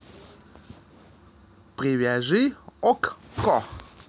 привяжи okko